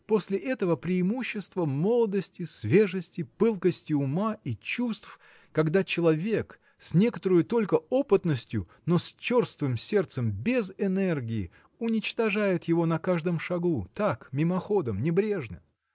– после этого преимущество молодости свежести пылкости ума и чувств когда человек с некоторою только опытностью но с черствым сердцем без энергии уничтожает его на каждом шагу так мимоходом небрежно?